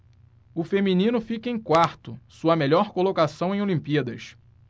o feminino fica em quarto sua melhor colocação em olimpíadas